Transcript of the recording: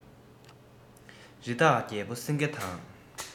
རི དྭགས རྒྱལ པོ སེང གེ དང